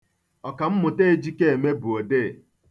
Ọkm. Ejikeme bụ odee.